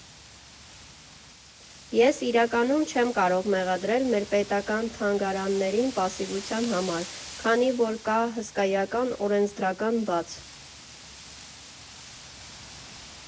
Ես, իրականում, չեմ կարող մեղադրել մեր պետական թանգարաններին պասիվության համար, քանի որ կա հսկայական օրենսդրական բաց։